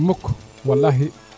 mukk walakhi